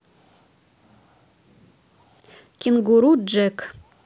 кенгуру джек